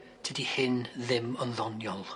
Tydi hyn ddim yn ddoniol.